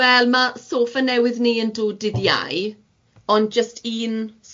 Wel ma' soffa newydd ni yn dod dydd Iau ond jyst un